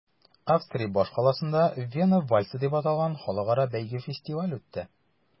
Австрия башкаласында “Вена вальсы” дип аталган халыкара бәйге-фестиваль үтте.